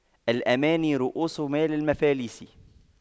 الأماني رءوس مال المفاليس